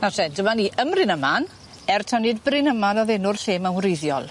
Nawr 'te dyma ni ym Mryn Aman er taw nid Bryn Aman o'dd enw'r lle 'ma wreiddiol.